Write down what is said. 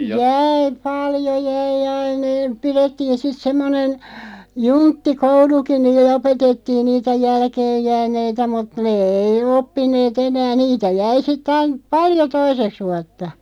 jäi paljon jäi aina - pidettiin sitten semmoinen junttikoulukin niille opetettiin niitä jälkeenjääneitä mutta ne ei oppineet enää niitä jäi sitten aina paljon toiseksi vuotta